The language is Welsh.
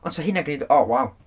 Ond 'sa hynna'n gwneud, o waw...